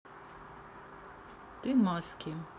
ты маски